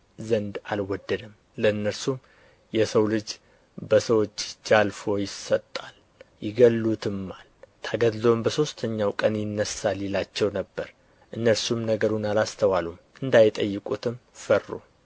ዘንድ አልወደደም ለእነርሱም የሰው ልጅ በሰዎች እጅ አልፎ ይሰጣል ይገድሉትማል ተገድሎም በሦስተኛው ቀን ይነሣል ይላቸው ነበር እነርሱም ነገሩን አላስተዋሉም እንዳይጠይቁትም ፈሩ